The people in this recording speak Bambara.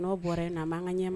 N'o bɔra yen na ka ɲɛ